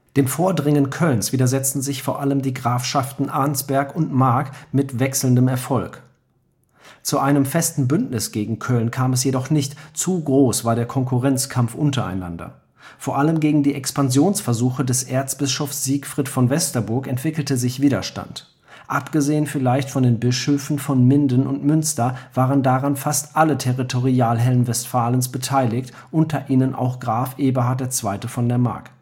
Dem Vordringen Kölns widersetzten sich vor allem die Grafschaften Arnsberg und Mark mit wechselndem Erfolg. Zu einem festen Bündnis gegen Köln kam es jedoch nicht; zu groß war der Konkurrenzkampf untereinander. Vor allem gegen die Expansionsversuche des Erzbischofs Siegfried von Westerburg entwickelte sich Widerstand. Abgesehen vielleicht von den Bischöfen von Minden und Münster waren daran fast alle Territorialherren Westfalens beteiligt, unter ihnen auch Graf Eberhard II. von der Mark